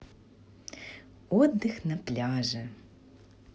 отдых на пляже